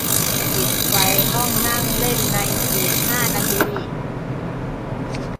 ปิดไฟห้องนั่งเล่นในอีกห้านาที